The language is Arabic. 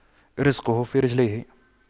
رِزْقُه في رجليه